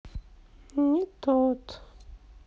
не тот